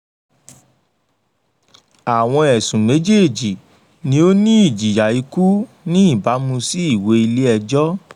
Àwọn ẹ̀sùn méjèèjì ni ó ní ìjìyà ikú ní ìbámu sí ìwé ilé ẹjọ́